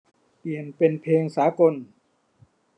เปลี่ยนเป็นเพลงสากล